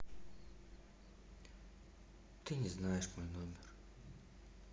ты не знаешь мой номер